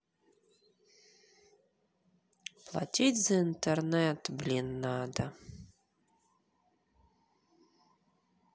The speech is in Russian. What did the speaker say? платить за интернет блин надо